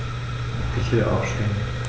Ich will aufstehen.